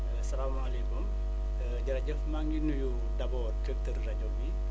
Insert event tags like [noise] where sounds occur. [hesitation] salaamaaleykum [hesitation] jaajëf maa ngi nuyu d' abord directeur rajo bi